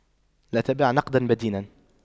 لا تبع نقداً بدين